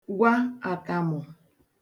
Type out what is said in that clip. gwa àkàmụ̀